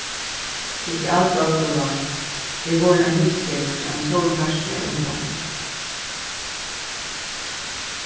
sosialfrástøða er vorðin ein lívstreyt hjá einum stórum parti av ungdóminum